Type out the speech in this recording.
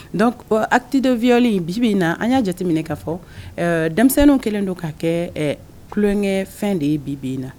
Don ati dɔ vyli in bibi in na an y'a jateminɛ ka fɔ denmisɛnninw kɛlen don ka kɛ tulonkɛ fɛn de ye bibi in na